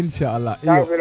insaaala iyo